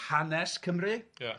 hanes Cymru... Ia.